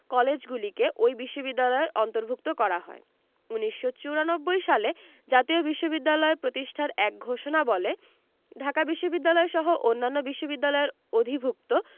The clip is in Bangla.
কলেজগুলিকে ওই বিশ্ববিদ্যালয়ের অন্তর্ভুক্ত করা হয় ১৯৯৪ সালে জাতীয় বিশ্ববিদ্যালয় প্রতিষ্ঠার এক ঘোষণাবলে ঢাকা বিশ্ববিদ্যালয়সহ অন্যান্য বিশ্ববিদ্যালয়ের অধিভুক্ত